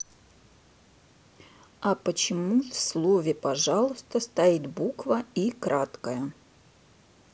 а почему в слове пожалуйста стоит буква и краткая